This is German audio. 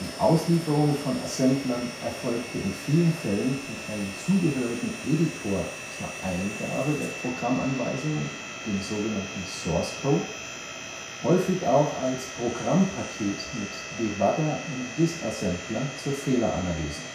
Auslieferung von Assemblern erfolgte in vielen Fällen mit einem zugehörigen Editor zur Eingabe der Programmanweisungen („ Sourcecode “), häufig auch als Programmpaket mit Debugger und Disassembler zur Fehleranalyse